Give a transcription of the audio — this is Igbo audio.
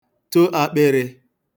to ākpị̄rị̄